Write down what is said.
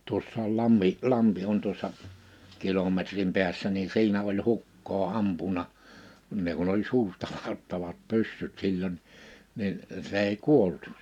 tuossa on lammi lampi on tuossa kilometrin päässä niin siinä oli hukkaa ampunut kun ne kun oli suustaladattavat pyssyt silloin niin se ei kuollut